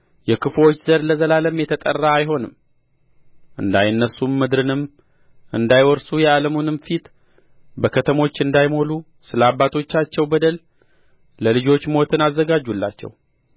የክፉዎች ዘር ለዘላለም የተጠራ አይሆንም እንዳይነሡም ምድርንም እንዳይወርሱ የዓለሙንም ፊት በከተሞች እንዳይሞሉ ስለ አባቶቻቸው በደል ለልጆቹ ሞትን አዘጋጁላቸው